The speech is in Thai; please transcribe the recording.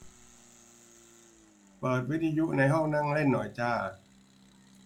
เปิดวิทยุในห้องนั่งเล่นหน่อยจ้า